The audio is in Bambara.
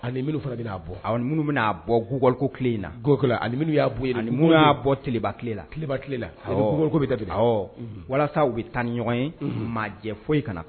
Ali fana bɛ'a bɔ a minnu'a bɔ guliko kile in na don ali y'a bɔ ani'a bɔ tilebalela tilebalela ako bɛ ta walasa u bɛ tan ni ɲɔgɔn ye maa jɛ foyi ka